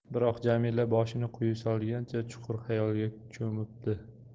biroq jamila boshini quyi solgancha chuqur xayolga cho'mibdi